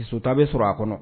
Suta bɛ sɔrɔ a kɔnɔ